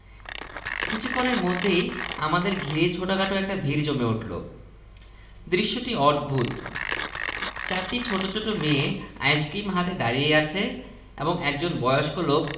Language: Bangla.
একবার এক মফস্বল শহরে আমাকে নিয়ে গিয়েছিল প্রধান অতিথি করে খুব সম্ভব গুরুত্বপূর্ণ কাউকে তারা রাজি করাতে পারেনি অনেক বক্তৃতা